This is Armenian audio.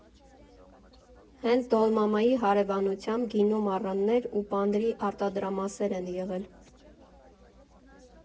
Հենց «Դոլմամայի» հարևանությամբ գինու մառաններ ու պանրի արտադրամասեր են եղել։